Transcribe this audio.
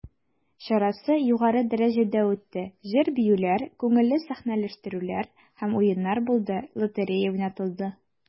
Чарасы югары дәрәҗәдә үтте, җыр-биюләр, күңелле сәхнәләштерүләр һәм уеннар булды, лотерея уйнатылды.